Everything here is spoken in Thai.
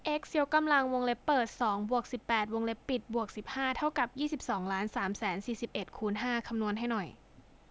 เอ็กซ์ยกกำลังวงเล็บเปิดสองบวกสิบแปดวงเล็บปิดบวกสิบห้าเท่ากับยี่สิบสองล้านสามแสนสี่สิบเอ็ดคูณห้าคำนวณให้หน่อย